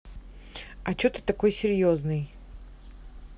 а че ты такой серьезный